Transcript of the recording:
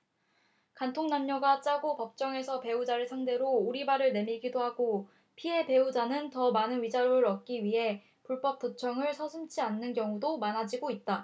간통 남녀가 짜고 법정에서 배우자를 상대로 오리발을 내밀기도 하고 피해 배우자는 더 많은 위자료를 얻기 위해 불법 도청을 서슴지 않는 경우도 많아지고 있다